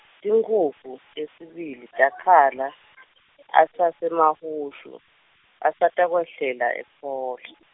tinkhukhu tesibili takhala asaseMahushu asatakwehlela ePhola.